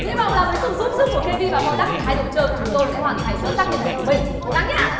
hi vọng là với sự giúp sức của kê vin và po lắc thì hai đội chơi của chúng tôi sẽ hoàn thành xuất sắc nhiệm vụ của mình cố gắng nhá